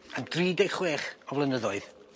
Am dri deg chwech o flynyddoedd.